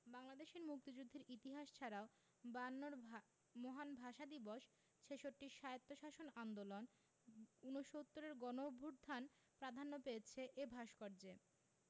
বাংলাদেশের মুক্তিযুদ্ধের ইতিহাস ছাড়াও বায়ান্নর মহান ভাষা দিবস ছেষট্টির স্বায়ত্তশাসন আন্দোলন উনসত্তুরের গণঅভ্যুত্থান প্রাধান্য পেয়েছে এ ভাস্কর্যে